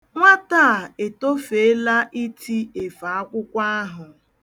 Nwata a etofeela iti efe akwụkwọ ahụ.